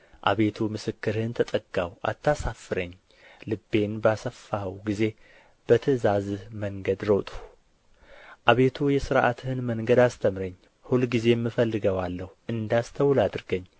አቤቱ ምስክርህን ተጠጋሁ አታሳፍረኝ ልቤን ባሰፋኸው ጊዜ በትእዛዝህ መንገድ ሮጥሁ አቤቱ የሥርዓትህን መንገድ አስተምረኝ ሁልጊዜም እፈልገዋለሁ እንዳስተውል አድርገኝ